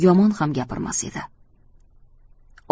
yomon ham gapirmas edi